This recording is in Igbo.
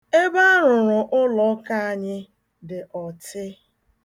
Ebe a rụrụ ụlọụka anyị dị ọtị.